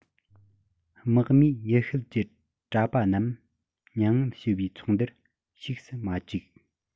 དམག མིས ཡུལ ཤུལ གྱི གྲྭ པ རྣམས མྱ ངན ཞུ བའི ཚོགས འདུར ཞུགས སུ མ བཅུག